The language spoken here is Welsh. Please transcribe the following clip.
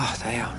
Oh da iawn.